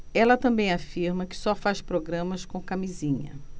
ela também afirma que só faz programas com camisinha